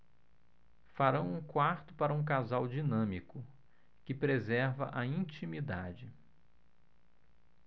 farão um quarto para um casal dinâmico que preserva a intimidade